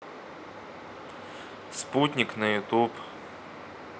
спутник на ютуб